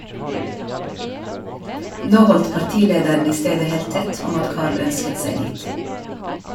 - Nå holdt partilederen i stedet helt tett om at Carl ønsket seg dit.